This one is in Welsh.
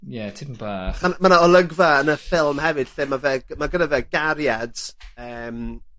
Ie tipyn bach. Ma' 'n- ma' 'na olygfa yn y ffilm hefyd lle ma' fe g- ma' gynno fe gariad yym